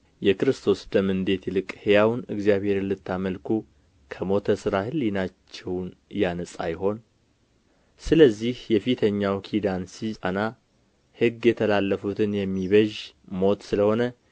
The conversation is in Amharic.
የክርስቶስ ደም እንዴት ይልቅ ሕያውን እግዚአብሔርን ልታመልኩ ከሞተ ሥራ ሕሊናችሁን ያነጻ ይሆን ስለዚህም የፊተኛው ኪዳን ሲጸና ሕግን የተላለፉትን የሚቤዥ ሞት ስለ ሆነ